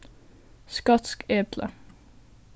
skotsk epli